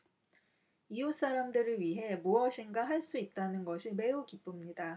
이웃 사람들을 위해 무엇인가 할 수 있다는 것이 매우 기쁩니다